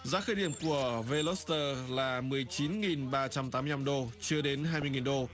giá khởi điểm của vê lốt tơ là mười chín nghìn ba trăm tám mươi nhăm đô chưa đến hai mươi nghìn đô